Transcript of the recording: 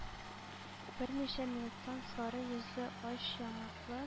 Берничә минуттан сары йөзле, ач яңаклы,